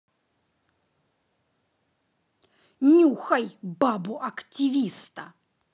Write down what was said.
нюхай бабу активиста